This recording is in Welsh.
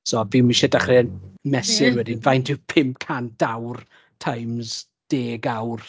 so fi ddim isie dechrau mesur wedyn faint yw pump cant awr times deg awr?